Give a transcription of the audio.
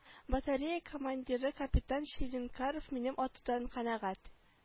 Батарея командиры капитан чилинкаров минем атудан канәгать